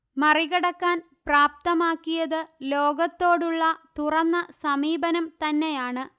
മറികടക്കാൻപ്രാപ്തമാക്കിയത് ലോകത്തോടുള്ള തുറന്ന സമീപനം തന്നെയാണ്